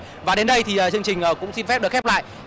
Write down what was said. và đến đây thì ờ chương trình ờ cũng xin phép được khép lại